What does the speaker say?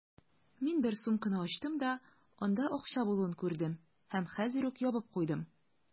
Мин бер сумканы ачтым да, анда акча булуын күрдем һәм хәзер үк ябып куйдым.